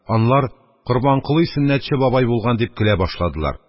Анлар: «Корбанколый сөннәтче бабай булган», – дип көлә башладылар.